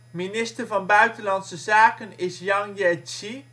Minister van Buitenlandse Zaken: Yang Jiechi